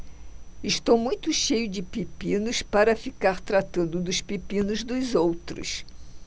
estou muito cheio de pepinos para ficar tratando dos pepinos dos outros